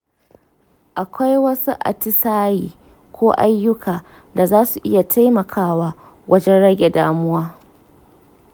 akwai wasu atisaye ko ayyuka da za su iya taimakawa wajen rage damuwa?